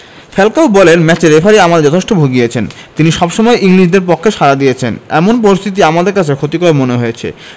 Falcao বলেন ম্যাচে referee আমাদের যথেষ্ট ভুগিয়েছেন তিনি সবসময় ইংলিশদের পক্ষে সাড়া দিয়েছেন এমন পরিস্থিতি আমাদের কাছে ক্ষতিকর মনে হয়েছে